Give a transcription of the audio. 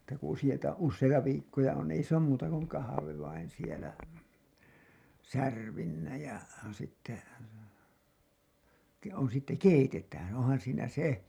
että kun useita useita viikkoja on ei se ole muuta kuin kahvi vain siellä särpimenä ja sitten - on sitten keitetään onhan siinä se